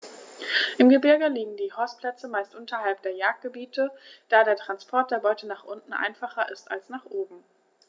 Im Gebirge liegen die Horstplätze meist unterhalb der Jagdgebiete, da der Transport der Beute nach unten einfacher ist als nach oben.